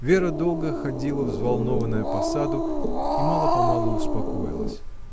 Вера долго ходила взволнованная по саду и мало-помалу успокоилась.